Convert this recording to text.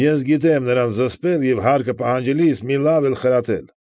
Ես գիտեմ նրանց զսպել և հարկը պահանջելիս մի լավ էլ խրատել։